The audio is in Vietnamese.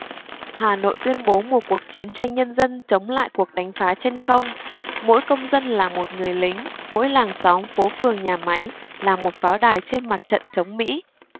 hà nội tuyên bố một cuộc chiến tranh nhân dân chống lại cuộc đánh phá trên không mỗi công dân là một người lính mỗi làng xóm phố phường nhà máy là một pháo đài trên mặt trận chống mỹ